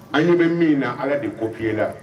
An ɲɛ bɛ min na ala de kofi la